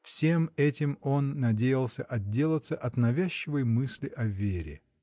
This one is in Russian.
Всем этим он надеялся отделаться от навязчивой мысли о Вере.